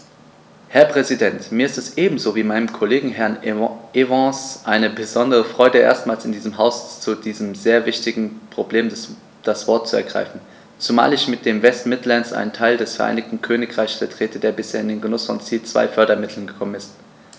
Herr Präsident, mir ist es ebenso wie meinem Kollegen Herrn Evans eine besondere Freude, erstmals in diesem Haus zu diesem sehr wichtigen Problem das Wort zu ergreifen, zumal ich mit den West Midlands einen Teil des Vereinigten Königreichs vertrete, der bisher in den Genuß von Ziel-2-Fördermitteln gekommen ist.